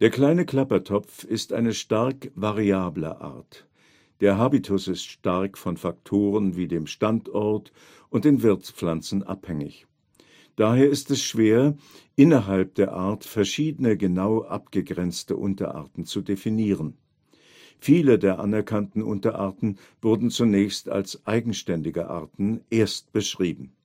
Kleine Klappertopf ist eine stark variable Art, der Habitus ist stark von Faktoren wie dem Standort und den Wirtspflanzen abhängig. Daher ist es schwer, innerhalb der Art verschiedene genau abgegrenzte Unterarten zu definieren. Viele der anerkannten Unterarten wurden zunächst als eigenständige Arten erstbeschrieben